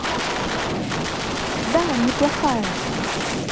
да неплохая